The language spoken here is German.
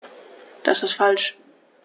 Das ist falsch.